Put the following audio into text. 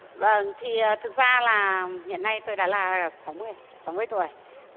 vâng thì thực ra là hiện nay tôi đã là sáu mươi sáu mươi tuổi